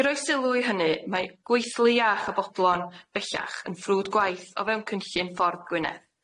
I roi sylw i hynny, mae gweithlu iach y boblon bellach yn ffrwd gwaith o fewn cynllun ffordd Gwynedd.